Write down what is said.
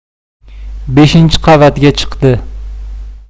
beshinchi qavatga chiqdi